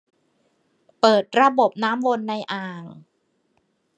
เปิดระบบน้ำวนในอ่าง